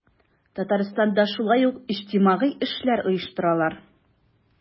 Татарстанда шулай ук иҗтимагый эшләр оештыралар.